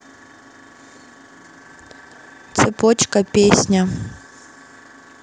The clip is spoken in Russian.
цепочка песня